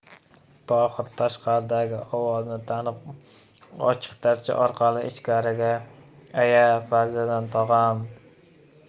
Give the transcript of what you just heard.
tohir tashqaridagi ovozni tanib ochiq darcha orqali ichkariga aya fazliddin tog'oyim